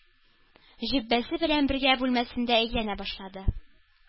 Җөббәсе белән бергә бүлмәсендә әйләнә башлады.